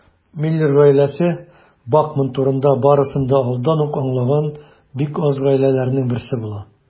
Миллер гаиләсе Бакман турында барысын да алдан ук аңлаган бик аз гаиләләрнең берсе була.